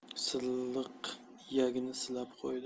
silliq iyagini silab qo'ydi